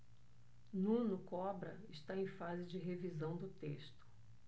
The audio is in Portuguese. nuno cobra está em fase de revisão do texto